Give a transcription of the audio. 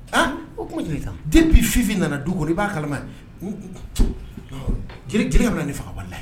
Aa o den bi fifin nana du kɔnɔ i b'a kala jeli kelen ka ne faga la